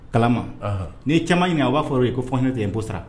Kalama ni' ye caman in ɲɛna a b'a sɔrɔ o ye ko fɔn tɛ n boo sara